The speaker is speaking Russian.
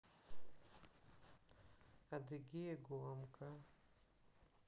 адыгея гуамка